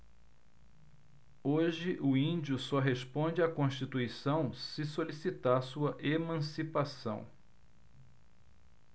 hoje o índio só responde à constituição se solicitar sua emancipação